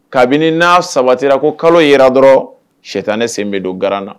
Kabini n'a sabatira ko kalo ye ra dɔrɔn sitanɛ sen bɛ don garanna.